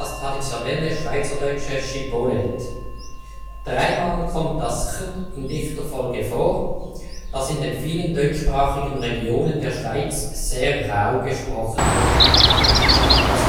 traditionelle schweizerdeutsche Schibboleth. Dreimal kommt das ch in dichter Folge vor, das in den vielen deutschsprachigen Regionen der Schweiz sehr rau gesprochen wird. Das Wort